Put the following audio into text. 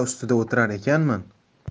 ustida o'tirar ekanman